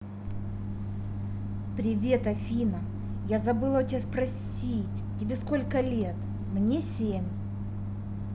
привет афина я забыла у тебя спросить тебе сколько лет мне семь